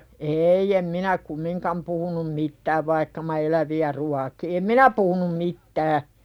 ei en minä kumminkaan puhunut mitään vaikka minä eläviä ruokin en minä puhunut mitään